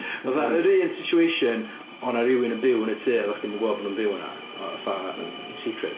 Fatha yr un situation odd 'na rhywun yn byw yn y tŷ a o'ch chdi'm yn gwbod bo' nhw'n byw yna fatha yn secret.